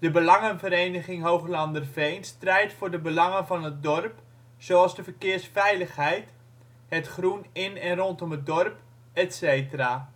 Belangenvereniging Hooglanderveen strijdt voor de belangen van het dorp, zoals de verkeersveiligheid, het groen in en rondom het dorp etc.